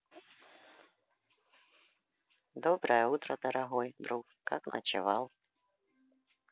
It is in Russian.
доброе утро дорогой друг как ночевал